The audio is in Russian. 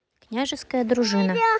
княжеская дружина